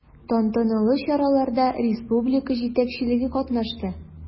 Тантаналы чараларда республика җитәкчелеге катнашты.